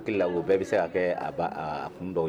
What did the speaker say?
N hakili la o bɛɛ bɛ se ka kɛ a ba kun dɔw ye.